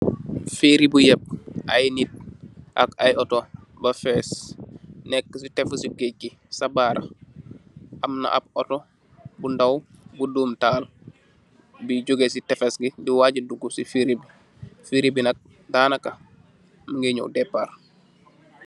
Ferry bu yehbb aiiy nitt ak aiiy autor bah fess, nekue chii tehfess cii geudggh gui cha barra, amna ahb autor bu ndaw bu dum taal bui jogeh cii tehfess gui, dii waajah dugu cii ferry bii, ferry bii nak daanakah mungy njow dehpart.